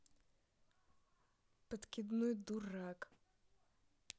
подкидной дурак